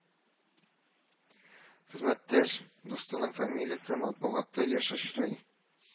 Хезмәттәш дустының фамилиясе матбугатта еш очрый